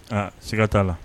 A siga t'a la